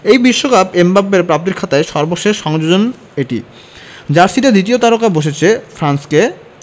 এই বিশ্বকাপ এমবাপ্পের প্রাপ্তির খাতায় সর্বশেষ সংযোজনই এটি জার্সিতে দ্বিতীয় তারকা বসেছে ফ্রান্সকে